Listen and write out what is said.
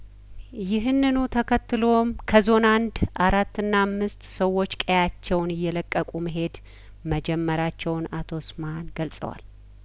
ይህንኑ ተከትሎም ከዞን አንድ አራትና አምስት ሰዎች ቀዬያቸውን እየለቀቁ መሄድ መጀመራቸውን አቶ ኡስማን ገልጸዋል